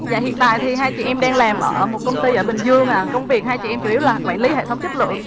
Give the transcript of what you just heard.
dạ hiện tại thì hai chị em đang làm ở một công ty ở bình dương ạ công việc hai chị em chủ yếu là quản lý hệ thống chất lượng